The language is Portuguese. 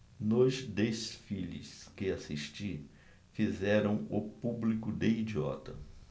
nos desfiles que assisti fizeram o público de idiota